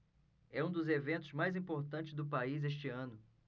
é um dos eventos mais importantes do país este ano